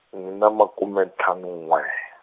ni na makume ntlhanu n'we.